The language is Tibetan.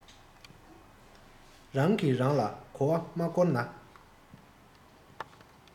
རང གི རང ལ གོ བ མ བསྐོན ན